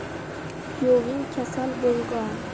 kuyoving kasal bo'lgon